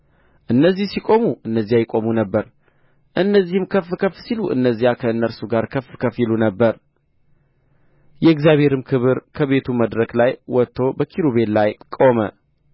እነዚህ ሲቆሙ እነዚያ ይቆሙ ነበር እነዚህም ከፍ ከፍ ሲሉ እነዚያ ከእነርሱ ጋር ከፍ ከፍ ይሉ ነበር የእግዚአብሔርም ክብር ከቤቱ መድረክ ላይ ወጥቶ በኪሩቤል ላይ ቆመ